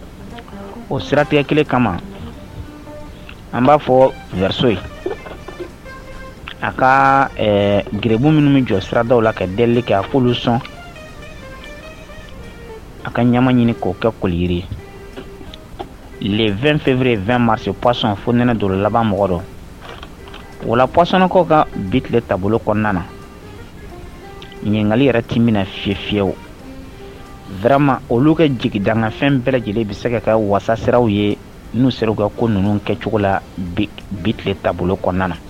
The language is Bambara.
O sira tɛɲɛ kelen kama an b'a fɔso ye a ka gbu minnu bɛ jɔ siradaw la ka deli k sɔn a ka ɲa ɲini k' kɛ koiri 2fɛn feereere fɛn mansasɔn foɛnɛ don laban mɔgɔ wa psɔnkɔ ka bi tilenle taabolo kɔnɔna na ɲgali yɛrɛ te bɛna fi fiyew vma olu kɛ jigi danganfɛn bɛɛ lajɛlen bɛ se ka ka wasa siraraww ye n se u ka ko ninnu kɛ cogo la bile taabolo kɔnɔna na